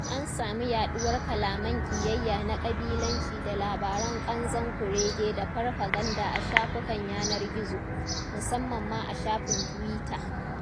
An samu yaɗuwar kalaman ƙiyayya na ƙabilanci da labaran ƙanzon kurege da farfaganda a shafukan yanar gizo, musamman ma a shafin tuwita.